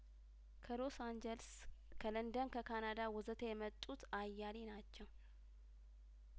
ከሎስ አንጀ ልስ ከለንደን ከካናዳ ወዘተ የመጡት አያሌ ናቸው